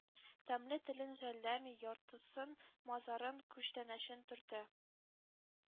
Тәмле телен жәлләми, яртысын-мазарын, күчтәнәчен төртә...